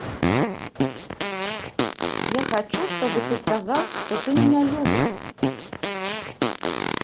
я хочу чтобы ты сказал что ты меня любишь